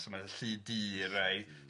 So mae llu dŷ raid m-hm.